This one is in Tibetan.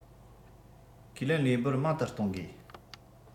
ཁས ལེན ལས འབོར མང དུ གཏོང དགོས